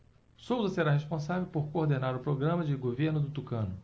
souza será responsável por coordenar o programa de governo do tucano